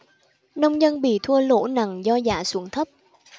nông dân bị thua lỗ nặng do giá xuống thấp